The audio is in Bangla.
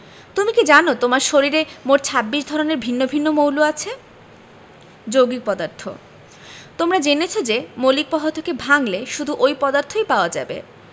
তুমি কি জানো তোমার শরীরে মোট ২৬ ধরনের ভিন্ন ভিন্ন মৌল আছে যৌগিক পদার্থ তোমরা জেনেছ যে মৌলিক পদার্থকে ভাঙলে শুধু ঐ পদার্থই পাওয়া যাবে